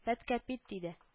— пәт кәпит — тиде